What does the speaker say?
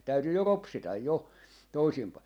täytyy jo ropsita jo toisin -